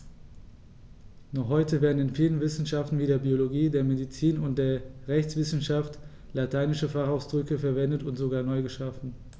Noch heute werden in vielen Wissenschaften wie der Biologie, der Medizin und der Rechtswissenschaft lateinische Fachausdrücke verwendet und sogar neu geschaffen.